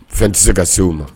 Fɛn tɛ se ka se u ma